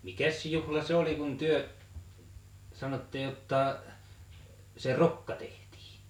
mikäs juhla se oli kun te sanoitte jotta se rokka tehtiin